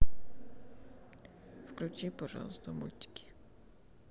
включи пожалуйста мультики